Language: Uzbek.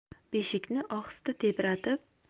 beshikni ohista tebratib